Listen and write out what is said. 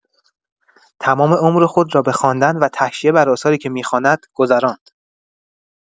تمام عمر خود را به خواندن و تحشیه بر آثاری که می‌خواند، گذراند.